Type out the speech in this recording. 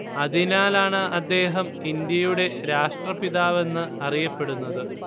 അതിനാലാണ് അദ്ദേഹം ഇന്ത്യയുടെ രാഷ്ട്രപിതാവ് എന്ന് അറിയപ്പെടുന്നത്